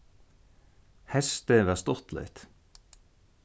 heystið var stuttligt